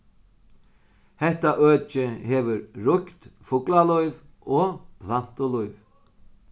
hetta økið hevur ríkt fuglalív og plantulív